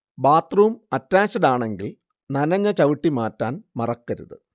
bathroom അറ്റാച്ച്ഡാണെങ്കിൽ നനഞ്ഞ ചവിട്ടി മാറ്റാൻ മറക്കരുത്